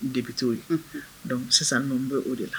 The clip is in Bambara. Debi taao yen dɔnku sisan ninnu bɛ o de la